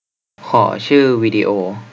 ขอชื่อวิดีโอ